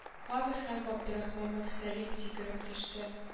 Кабергә габдерахман мөрсәлим сикереп төште